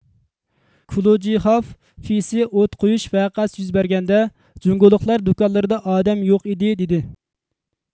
كۇلۇجىخاف فېيسىي ئوت قويۇش ۋەقەسى يۈز بەرگەندە جۇڭگولۇقلار دۇكانلىرىدا ئادەم يوق ئىدى دېدى